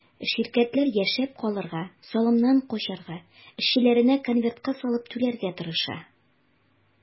Ширкәтләр яшәп калырга, салымнан качарга, эшчеләренә конвертка салып түләргә тырыша.